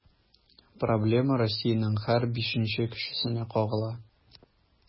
Проблема Россиянең һәр бишенче кешесенә кагыла.